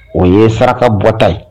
O ye saraka bɔ ta ye